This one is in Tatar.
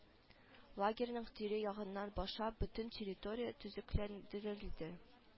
Лагерьның тирә-ягыннан башлап бөтен территория төзекләндерелде